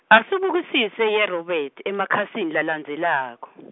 Asubukisise yeRobert, emakhasini lalandzelako .